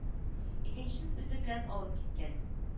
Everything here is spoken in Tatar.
Икенчесен үзе белән алып киткән